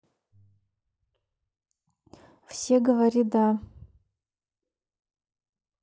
все говори да